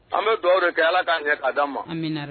An bɛ dɔw de kɛ ala k'an kɛ ad ma